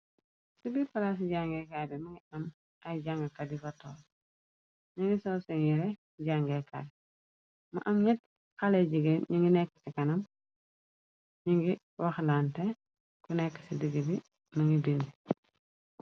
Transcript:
Ci bir palaaci jangekaar bi mëngi am ay jàngal kadifator ñi ngi sow singiire jàngerkaar ma am ñett xale jige ñi ngi nekk te kanam ñi ngi waxlante ku nekk ci digg bi më ngi dindi.